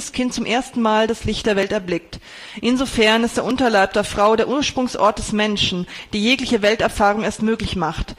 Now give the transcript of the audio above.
Kind zum ersten Mal das Licht der Welt erblickt. Insofern ist der Unterleib der Frau der Ursprungsort des Menschen, der jegliche Welterfahrung erst möglich macht